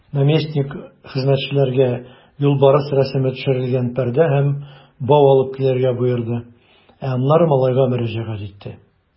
Наместник хезмәтчеләргә юлбарыс рәсеме төшерелгән пәрдә һәм бау алып килергә боерды, ә аннары малайга мөрәҗәгать итте.